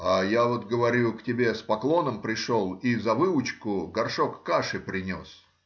— А я вот,— говорю,— к тебе с поклоном пришел и за выучку горшок каши принес.